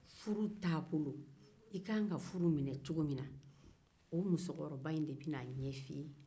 i ka kan ka fru minɛ cogo min na musokɔrɔba in de bɛ n ao ɲɛ fɔ i ye